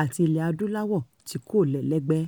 àti Ilẹ̀ Adúláwọ̀ tí kò lẹ́lẹ́gbẹ́.